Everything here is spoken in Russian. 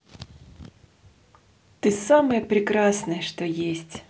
ты самое прекрасное что есть